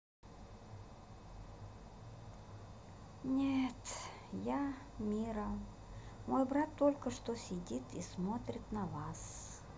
нет я мира мой брат только что сидит и смотрит на вас